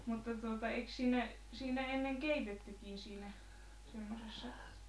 mutta tuota eikö siinä siinä ennen keitettykin siinä semmoisessa